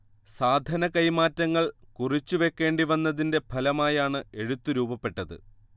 സാധനക്കൈമാറ്റങ്ങൾ കുറിച്ചുവെക്കേണ്ടിവന്നതിൻറെ ഫലമായാണ് എഴുത്ത് രൂപപ്പെട്ടത്